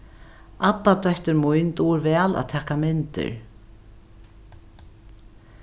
abbadóttir mín dugir væl at taka myndir